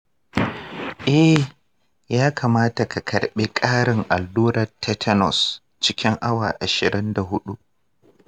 eh, ya kamata ka karɓi ƙarin allurar tetanus cikin awa ashirin da hudu.